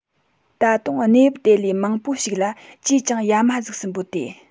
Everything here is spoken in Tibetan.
ད དུང གནས བབ དེ ལས མང པོ ཞིག ལ ཅིས ཀྱང ཡ མ གཟུགས སུ འབོད དེ